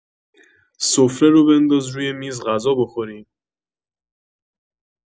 سفره رو بنداز روی میز غذا بخوریم